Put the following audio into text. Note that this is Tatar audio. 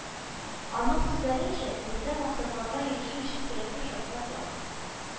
Аның сүзләренчә, биредә максатларга ирешү өчен кирәкле шартлар бар